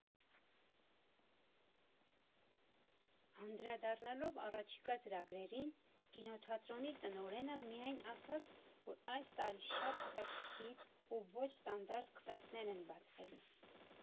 Անդրադառնալով առաջիկա ծրագրերին՝ կինոթատրոնի տնօրենը միայն ասաց, որ այս տարի շատ հետաքրքիր ու ոչ ստանդարտ քվեսթեր են բացվելու։